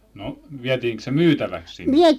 no vietiinkös se myytäväksi sinne